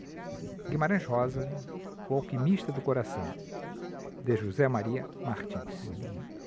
guimarães rosa o alquimista do coração de josé maria martins